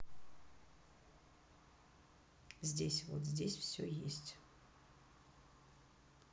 здесь вот здесь все есть